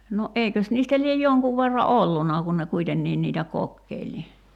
no eikös niistä lie jonkun verran ollut kun ne kuitenkin niitä kokeili niin